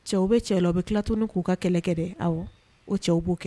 Cɛw bɛ cɛ dɔ bɛ tilatuni k'u ka kɛlɛ kɛ dɛ aw o cɛw b'o kɛ